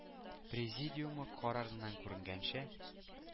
Президиумы карарыннан күренгәнчә,